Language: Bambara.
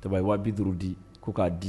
Ta ye wa bi duuru di ko k'a di